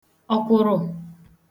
ọkwụrụ̄